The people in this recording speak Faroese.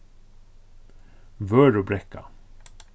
vørðubrekka